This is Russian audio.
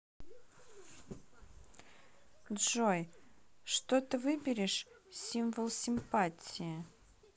джой что ты выберешь символ симпатии